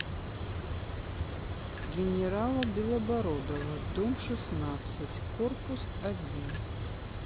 генерала белобородова дом шестнадцать корпус один